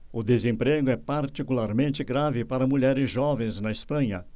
o desemprego é particularmente grave para mulheres jovens na espanha